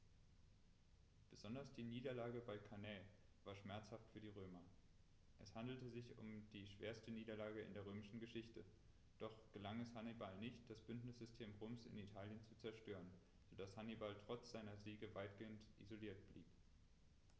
Besonders die Niederlage bei Cannae war schmerzhaft für die Römer: Es handelte sich um die schwerste Niederlage in der römischen Geschichte, doch gelang es Hannibal nicht, das Bündnissystem Roms in Italien zu zerstören, sodass Hannibal trotz seiner Siege weitgehend isoliert blieb.